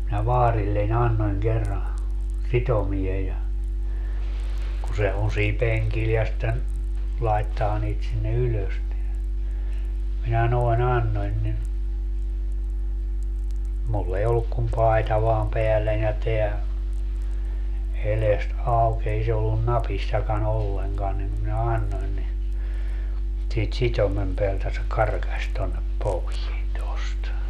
minä vaarilleni annoin kerran sitomen ja kun se on siinä penkillä ja sitten laittaa niitä sinne ylös - minä noin annoin niin minulla ei ollut kuin paita vain päälläni ja tämä edestä auki ei se ollut napissakaan ollenkaan niin minä annoin niin siitä sitomen päältä se karkasi tuonne poveen tuosta